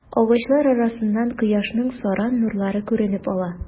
Агачлар арасыннан кояшның саран нурлары күренеп ала.